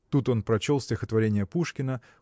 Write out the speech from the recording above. Тут он прочел стихотворение Пушкина